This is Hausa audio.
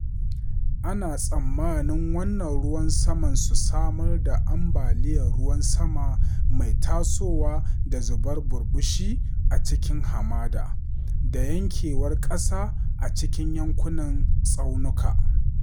Ana tsammanin wannan ruwan saman su samar da ambaliyar ruwan sama mai tasowa da zubar burbushi a cikin hamada, da yankewar ƙasa a cikin yankunan tsaunuka.